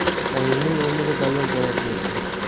oyimning o'rniga dallol javob berdi